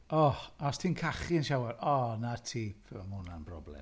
O, a os ti'n cachu yn shower o 'na ti, wel mae hwnna'n broblem.